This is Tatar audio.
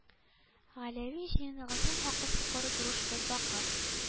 Галәви җыеныгызның хакы сукыр груш бер бакыр